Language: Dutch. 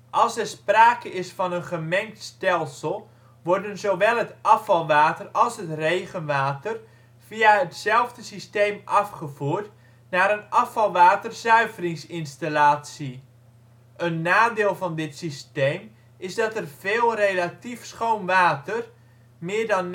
Als er sprake is van een gemengd stelsel, worden zowel het afvalwater als het regenwater via hetzelfde systeem afgevoerd naar een afvalwaterzuiveringsinstallatie. Een nadeel van dit systeem is dat er veel relatief schoon water (meer dan